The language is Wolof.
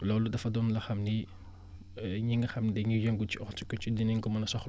loolu dafa doon loo xam ni ñi nga xam ni dañuy yëngu ci orticulture dinañ ko mën a soxla